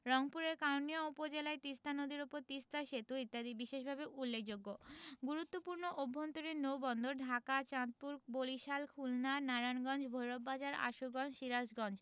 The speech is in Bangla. রংপুরের কাউনিয়া উপজেলায় তিস্তা নদীর উপর তিস্তা সেতু ইত্যাদি বিশেষভাবে উল্লেখযোগ্য গুরুত্বপূর্ণ অভ্যন্তরীণ নৌবন্দরঃ ঢাকা চাঁদপুর বরিশাল খুলনা নারায়ণগঞ্জ ভৈরব বাজার আশুগঞ্জ সিরাজগঞ্জ